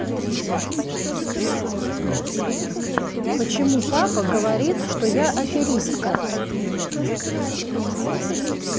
почему папа говорит что я аферистка